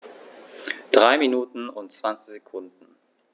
3 Minuten und 20 Sekunden